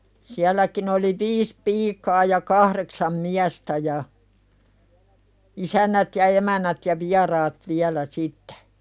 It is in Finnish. sielläkin oli viisi piikaa ja kahdeksan miestä ja isännät ja emännät ja vieraat vielä sitten